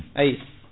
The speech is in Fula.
ayi